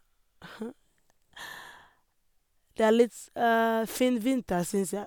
Det er litt fin vinter, syns jeg.